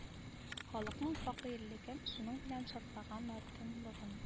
Халыкның фәкыйрьлеген шуның белән шартлаган наданлыгын